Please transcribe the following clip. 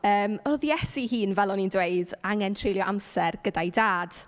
Yym, oedd Iesu ei hun, fel o'n i'n dweud, angen treulio amser gyda'i Dad.